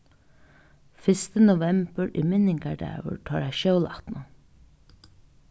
fyrsti novembur er minningardagur teirra sjólátnu